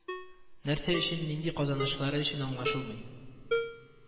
Нәрсә өчен, нинди казанышлары өчен аңлашылмый